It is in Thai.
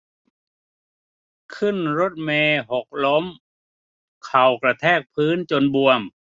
ขึ้นรถเมล์หกล้มเข่ากระแทกพื้นจนบวม